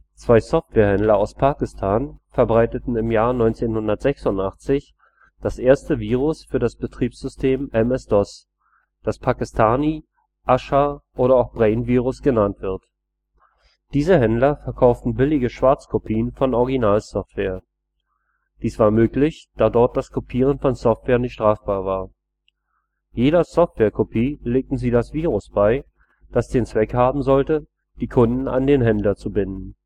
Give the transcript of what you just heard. Zwei Software-Händler aus Pakistan verbreiteten im Jahr 1986 das erste Virus für das Betriebssystem MS-DOS, das Pakistani -, Ashar - oder auch Brain-Virus genannt wird. Diese Händler verkauften billige Schwarzkopien von Originalsoftware. Dies war möglich, da dort das Kopieren von Software nicht strafbar war. Jeder Softwarekopie legten sie das Virus bei, das den Zweck haben sollte, die Kunden an den Händler zu binden